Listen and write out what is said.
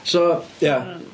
So, ia.